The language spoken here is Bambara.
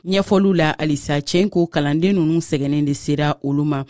ɲɛfɔliw la halisa cɛw in ko kalanden ninnu sɛgɛnnen de sera olu ma